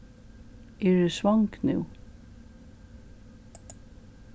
eg eri svong nú